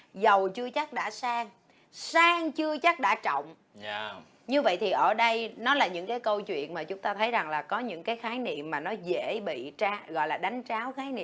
giàu chưa chắc đã sang sang chưa chắc đã trọng như vậy thì ở đây nó là những câu chuyện mà chúng ta thấy rằng là có những cái khái niệm mà nó dễ bị cha gọi là đánh tráo khái niệm